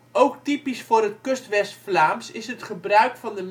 Ook typisch voor het Kustwest-Vlaams is het gebruik van de